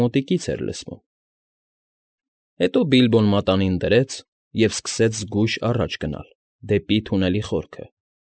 Մոտրկից էր լսվում։ Հետո Բիլբոն մատանին դրեց և սկսեց զգույշ առաջ գնալ դեպի թունելի խորքը։